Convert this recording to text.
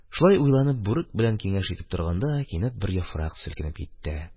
Шулай уйланып, бүрек белән киңәш итеп торганда, кинәт бер яфрак селкенеп китте.